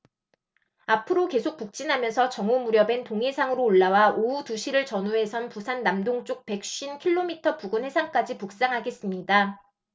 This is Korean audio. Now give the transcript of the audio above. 앞으로 계속 북진하면서 정오 무렵엔 동해상으로 올라와 오후 두 시를 전후해선 부산 남동쪽 백 쉰 킬로미터 부근 해상까지 북상하겠습니다